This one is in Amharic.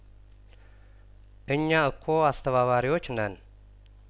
እኛ እኮ አስተባባሪዎች ነን